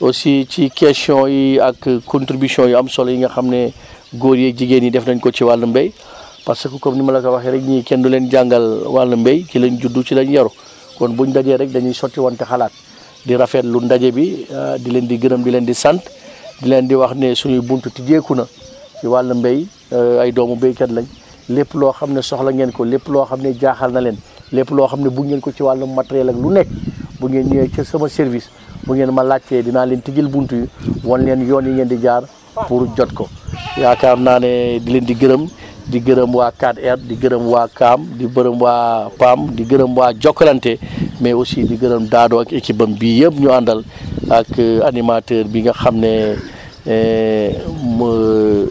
aussi ci question yi ak contributions yu am solo yi nga xam ne góor yeeg jigéen ñi def nañu ko ci wàllum mbéy parce que comme ni ma la ko waxee rek ñii kenn du leen jàngal wàll mbéy ci lañ judd ci lañ yaru kon bu ñu dajee rek dañuy sottiwante xalaat di rafetlu ndaje bi di leen di gërëm di leen di sant di leen di wax ni suñuy bunt tijjeeku na ci wàllu mbéy ay doomu béykat lañ lépp loo xam ne soxla ngeen ko lépp loo xam ne jaaxal na leen lépp loo xam ne bëgg ngeen ko ci wàllu métériels ak lu nekk rek bu ngeen ñëwee ca sama service bu ngeen ma laajtee dinaa leen tijjil buntu yi wan leen yoon yi ngeen di jaar pour jot ko yaakaar naa ne di leen di gërëm di gërëm waa 4R di gërëm waa di gërëm waa PAM di gërëm waa Jokalante mais aussi di gërëm Dado ak équipe bam bii yëpp ñu àndal ak animateur bi nga xam ne